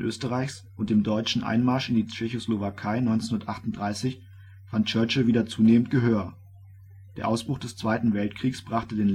Österreichs und dem deutschen Einmarsch in die Tschechoslowakei 1938 fand Churchill wieder zunehmend Gehör. Der Ausbruch des Zweiten Weltkriegs brachte